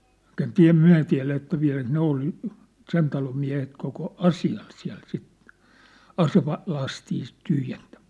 mutta en - me tiedä että vieläkö ne oli sen talon miehet koko asialla siellä sitten - aselastia sitten tyhjentämässä